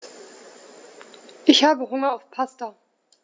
Ich habe Hunger auf Pasta.